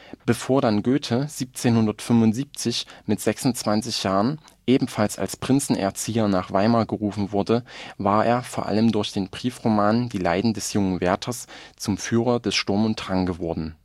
Bevor dann Goethe 1775 mit 26 Jahren - ebenfalls als Prinzenerzieher - nach Weimar gerufen wurde, war er - vor allem durch den Briefroman " Die Leiden des jungen Werthers "- zum Führer des Sturm und Drang geworden